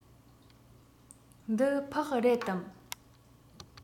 འདི ཕག རེད དམ